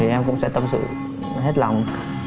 thì em cũng sẽ tâm sự hết lòng